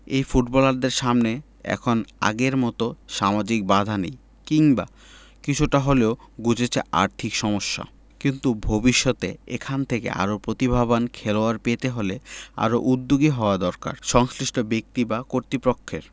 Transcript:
এই ফুটবলারদের সামনে এখন আগের মতো সামাজিক বাধা নেই কিংবা কিছুটা হলেও ঘুচেছে আর্থিক সমস্যা কিন্তু ভবিষ্যতে এখান থেকে আরও প্রতিভাবান খেলোয়াড় পেতে হলে আরও উদ্যোগী হওয়া দরকার সংশ্লিষ্ট ব্যক্তি বা কর্তৃপক্ষের